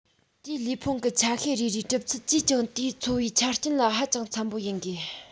དེའི ལུས ཕུང གི ཆ ཤས རེ རེའི གྲུབ ཚུལ ཅིས ཀྱང དེའི འཚོ བའི ཆ རྐྱེན ལ ཧ ཅང འཚམ པོ ཡིན དགོས